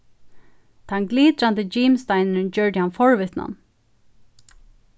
tann glitrandi gimsteinurin gjørdi hann forvitnan